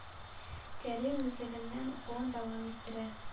Кәрим үзлегеннән укуын дәвам иттерә.